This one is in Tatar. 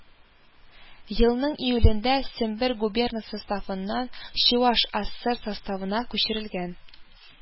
Елның июлендә сембер губернасы составыннан чуаш асср составына күчерелгән